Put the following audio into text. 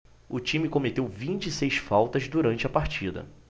o time cometeu vinte e seis faltas durante a partida